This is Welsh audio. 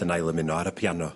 ...yn ail ymuno ar y piano